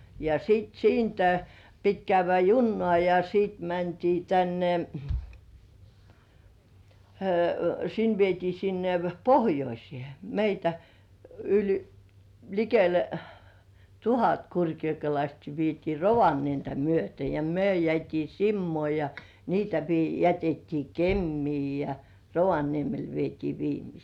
ja sitten siitä piti käydä junaan ja sitten mentiin tänne sinne vietiin sinne pohjoiseen meitä yli likelle tuhat kurkijokelaistakin vietiin Rovaniemeä myöten ja me jäätiin Simoon ja niitä - jätettiin Kemiin ja Rovaniemelle vietiin viimeisiä